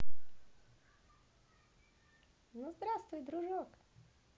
ну здравствуй дружок